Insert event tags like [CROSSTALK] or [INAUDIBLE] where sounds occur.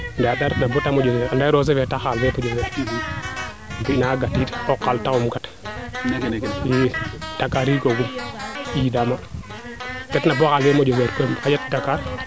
ndaa yeete retna baa moƴo weer yaaga roose fe tax xaal fe moƴo [UNINTELLIGIBLE] fi naaga gatiid xaal tax im gat ii DAkar ri googum njinda ma yeete fiyan na bo xaal fe moƴata seer koy im xanjat Dakar